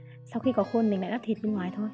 sau khi có khung mình lại đắp thịt bên ngoài thôi